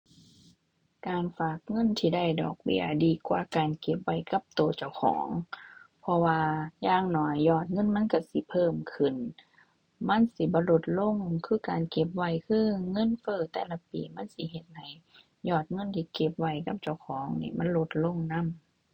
การฝากเงินที่ได้ดอกเบี้ยดีกว่าการเก็บไว้กับตัวเจ้าของ เพราะว่าอย่างน้อยยอดเงินมันตัวสิเพิ่มขึ้น มันสิบ่ลดลงคือการเก็บไว้ คือเงินเฟ้อแต่ละปีมันสิเฮ็ดให้ยอดเงินที่เก็บไว้กับเจ้าของนี้มันลดลงนำ